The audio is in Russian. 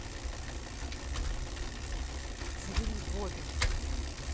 забери воду